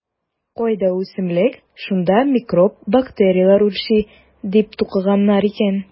Кайда үсемлек - шунда микроб-бактерия үрчи, - дип тукыганнар икән.